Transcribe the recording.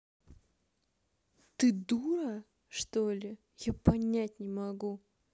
ты дура что ли я понять не могу